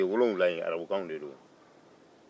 dɔgɔkun tile wolonfila in ye arabukanw ye